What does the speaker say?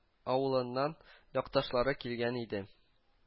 Авылыннан якташлары килгән иде